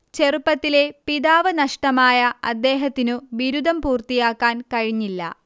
ചെറുപ്പത്തിലേ പിതാവ് നഷ്ടമായ അദ്ദേഹത്തിനു ബിരുദം പൂർത്തിയാക്കാൻ കഴിഞ്ഞില്ല